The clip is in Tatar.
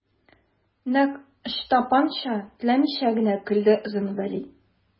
Нәкъ Ычтапанча теләмичә генә көлде Озын Вәли.